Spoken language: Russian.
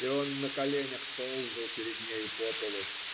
И он на коленях ползал перед нею по полу.